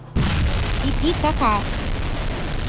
пипи кака